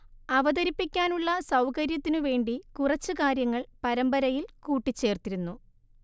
അവതരിപ്പിക്കാനുള്ള സൗകര്യത്തിനു വേണ്ടി കുറച്ച് കാര്യങ്ങൾ പരമ്പരയിൽ കൂട്ടിച്ചേർത്തിരുന്നു